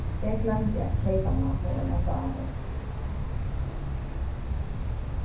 eg gloymdi at keypa mammu eina gávu